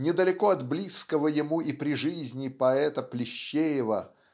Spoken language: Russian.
недалеко от близкого ему и при жизни поэта Плещеева